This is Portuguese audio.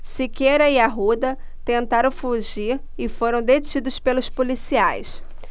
siqueira e arruda tentaram fugir e foram detidos pelos policiais